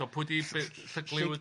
So pwy 'di ll- llygliw?